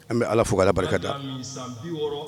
An bɛ Ala fo ka Ala barikada